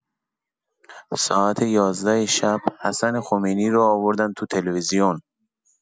ساعت ۱۱ شب حسن خمینی رو آوردن تو تلویزیون.